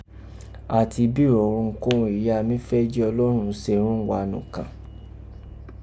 ati bírọ̀ urunkúnrun èyí a mí fẹ́ jí ọlọ́rọn se ghún wa nùkàn.